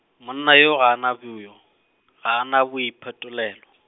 monna yo gana boyo, gana boiphetolelo.